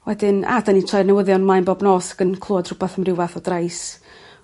Wedyn a 'dan ni'n troi'r newyddion mlaen bob nos ag yn clwad rhywbeth am rhyw fath o drais